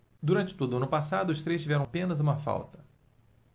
durante todo o ano passado os três tiveram apenas uma falta